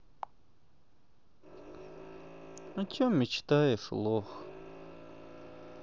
о чем мечтаешь лох